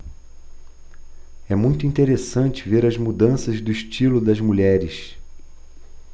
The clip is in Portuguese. é muito interessante ver as mudanças do estilo das mulheres